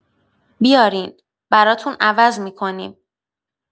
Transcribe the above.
بیارین، براتون عوض می‌کنیم.